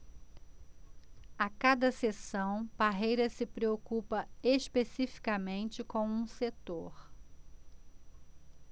a cada sessão parreira se preocupa especificamente com um setor